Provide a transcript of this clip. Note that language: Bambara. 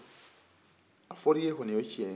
a fɔra i kɔni o ye cɛn ye